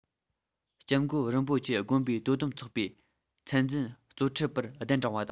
སྐྱབས མགོན རིན པོ ཆེ དགོན པའི དོ དམ ཚོགས པའི མཚན འཛིན གཙོ ཁྲིད པར གདན དྲངས པ དང